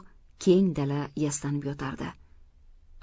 keng dala yastanib yotardi